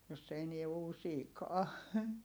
jos se enää uusiikaan